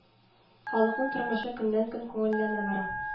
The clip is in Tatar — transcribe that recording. Халыкның тормышы көннән-көн күңеллеләнә бара